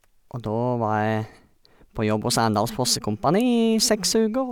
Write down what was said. Og da var jeg på jobb hos Arendals Fossekompani i seks uker.